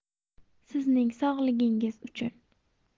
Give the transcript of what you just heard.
sizning sog'ligingiz uchun